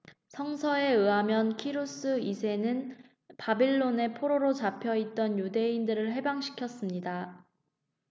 성서에 의하면 키루스 이 세는 바빌론에 포로로 잡혀 있던 유대인들을 해방시켰습니다